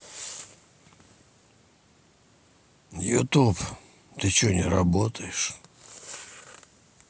ютуб ты че не работаешь